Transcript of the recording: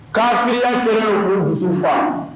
Kafiriya kɛlen don ka dusufa